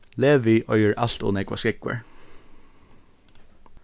levi eigur alt ov nógvar skógvar